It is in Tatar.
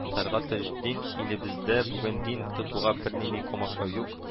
ТалгатТаҗетдин, илебездә бүген дин тотуга бернинди комачау юк